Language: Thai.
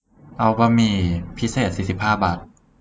เอาบะหมี่พิเศษสี่สิบห้าบาท